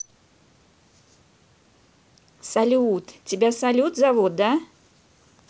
салют тебя салют зовут да